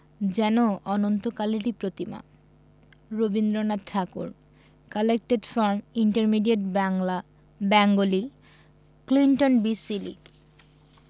যেন অনন্তকালেরই প্রতিমা Rabindranath Thakur collected from intermediate Bangla Bengali Clinton B Seely